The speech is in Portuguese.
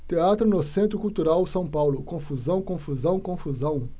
teatro no centro cultural são paulo confusão confusão confusão